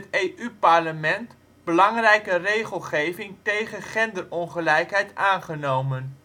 2010 is in het EU-parlement belangrijke regelgeving tegen gender-ongelijkheid aangenomen